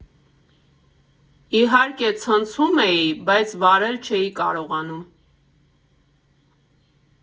Իհարկե ցնծում էի, բայց վարել չէի կարողանում։